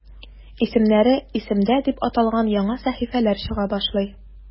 "исемнәре – исемдә" дип аталган яңа сәхифәләр чыга башлый.